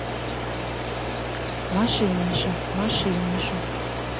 маша и миша маша и миша